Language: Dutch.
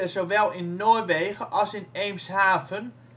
zowel in Noorwegen als in Eemshaven